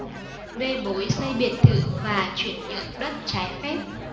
bê bối xây biệt thự và chuyển nhượng đất trái phép